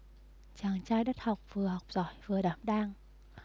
chàng trai đất học vừa học giỏi vừa đảm đang